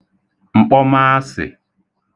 m̀kpọmaasị̀